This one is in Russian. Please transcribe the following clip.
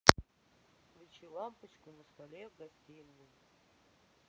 включи лампочку на столе в гостиной